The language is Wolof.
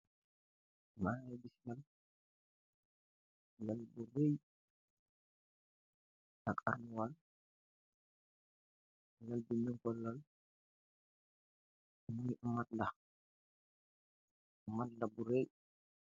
Amb madla la, armouwar ak lal